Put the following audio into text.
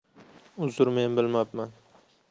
uzr men bilmabman